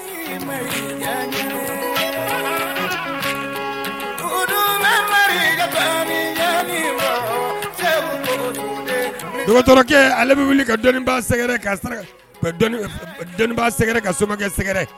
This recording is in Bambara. Ale bɛ wuli ka dɔnni sɛgɛrɛ dɔnni sɛgɛrɛ ka somakɛ sɛgɛrɛ